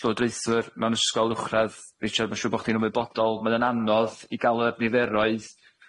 llywodraethwr mewn ysgol uwchradd Richard ma' siŵr bo chdi'n ymwybodol mae o'n anodd i ga'l yr niferoedd